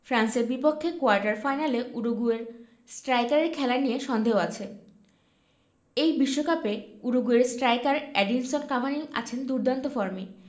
ফ্রান্সের বিপক্ষে কোয়ার্টার ফাইনালে উরুগুয়ে স্ট্রাইকারের খেলা নিয়ে সন্দেহ আছে এই বিশ্বকাপে উরুগুয়ের স্ট্রাইকার এডিনসন কাভানি আছেন দুর্দান্ত ফর্মে